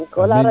amiin